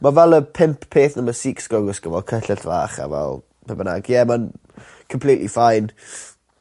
Ma' fel y pump peth 'na ma' Sikhs gorfod gwisgo ma' cyllell fach a fel be' bynnag ie ma'n completely fine.